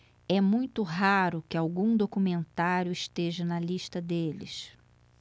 é muito raro que algum documentário esteja na lista deles